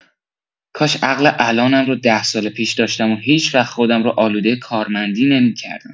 کاش عقل الانم رو ده سال پیش داشتم و هیچوقت خودم رو آلوده کارمندی نمی‌کردم.